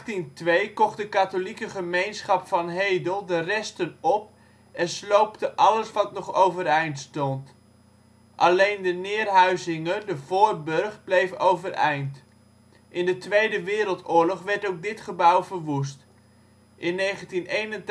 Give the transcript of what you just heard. In 1802 kocht de katholieke gemeenschap van Hedel de resten op en sloopte alles wat er nog overeind stond. Alleen de Neerhuizinge (voorburcht) bleef overeind. In de Tweede Wereldoorlog werd ook dit gebouw verwoest. In 1981/82